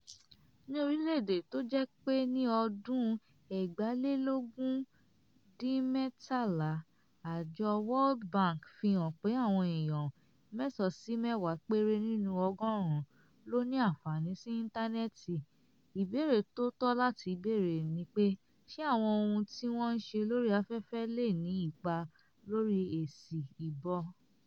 Ní orílẹ̀ èdè tó jẹ́ pé ní 2007, àjọ World Bank fi hàn pé àwọn eèyàn 9-10 péré nínu 100 ló ní aànfààní sí íntánẹ́ẹ̀ti, ìbéèrè tó tọ́ láti beèrè ni pé ṣe àwọn ohun tí wọ́n ń ṣe lórí afẹ́fẹ́ lè ní ipa lórí èsì ìbò.